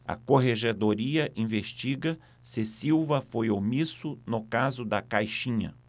a corregedoria investiga se silva foi omisso no caso da caixinha